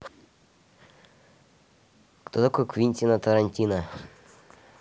кто такой квентин тарантино